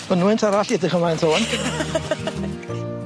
Mynwent arall i edrych ymlaen ta ŵan.